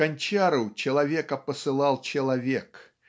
К Анчару человека посылал человек